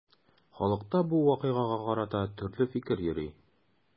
Халыкта бу вакыйгага карата төрле фикер йөри.